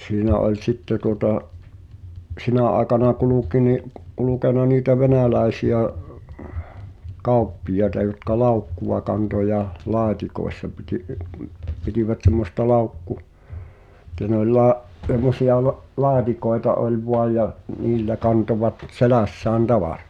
niin siinä oli sitten tuota sinä aikana kulki niin kulkenut niitä venäläisiä kauppiaita jotka laukkua kantoi ja laatikoissa --- pitivät semmoista - että ne oli - semmoisia - laatikoita oli vain ja niillä kantoivat selässään tavaraa